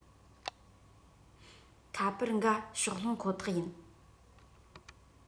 ཁ པར འགའ ཕྱོགས ལྷུང ཁོ ཐག ཡིན